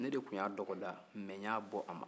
ne tun y'a dɔgɔda mɛ n y'a bɔ a ma